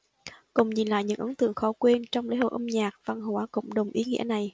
cùng nhìn lại những ấn tượng khó quên trong lễ hội âm nhạc văn hóa cộng đồng ý nghĩa này